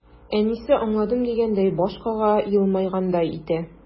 Әнисе, аңладым дигәндәй баш кага, елмайгандай итә.